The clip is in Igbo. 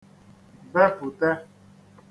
bepụ̀te